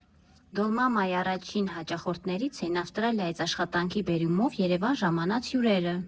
«Դոլմամայի» առաջին հաճախորդներից էին Ավստրալիայից աշխատանքի բերումով Երևան ժամանած հյուրերը։